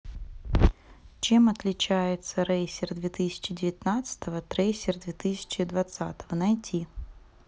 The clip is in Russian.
чем отличается racer две тысячи девятнадцатого трейсер две тысячи двадцатого найди